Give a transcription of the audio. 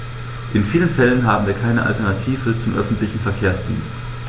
In vielen Fällen haben wir keine Alternative zum öffentlichen Verkehrsdienst.